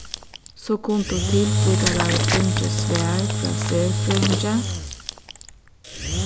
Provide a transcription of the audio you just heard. so kundu tilflytarar fingið svar frá serfrøðingi